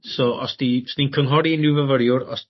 So os 'di 's ni'n cynghori unryw fyfyriwr os